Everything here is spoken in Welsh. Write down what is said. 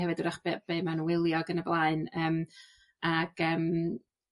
hefyd 'w'rach be' be' ma' nw wylio ag yn y blaen yym ag yym